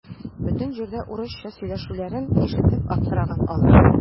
Бөтен җирдә урысча сөйләшүләрен ишетеп аптыраган алар.